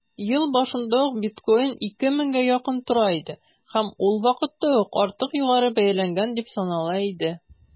Ел башында ук биткоин 2 меңгә якын тора иде һәм ул вакытта ук артык югары бәяләнгән дип санала иде.